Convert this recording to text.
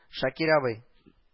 Шакир абый…